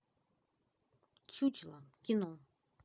чучело кино